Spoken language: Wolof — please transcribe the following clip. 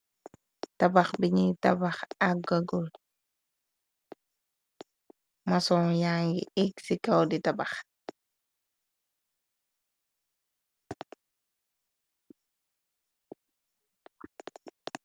Tabax biñuy tabax ak gagul. Mason yaan yu ig ci kaw di tabax.